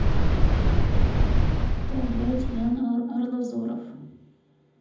та блядь ян арлазоров